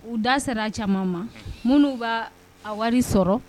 U da sera caman ma minnu b bɛ a wari sɔrɔ